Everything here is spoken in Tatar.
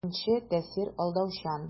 Беренче тәэсир алдаучан.